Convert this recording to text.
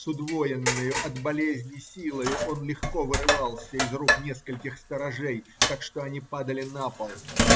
С удвоенною от болезни силою он легко вырывался из рук нескольких сторожей, так что они падали на пол